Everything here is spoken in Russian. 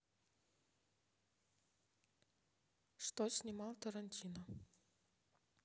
что снимал тарантино